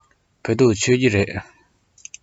བོད ཐུག མཆོད ཀྱི རེད